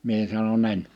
minä sanoin en